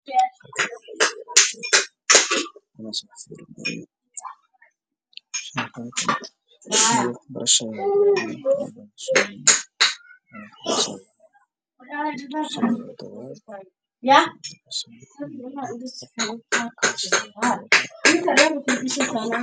Waa meel Isku imaaday gabdho iyo wiilal waxay wataan dhar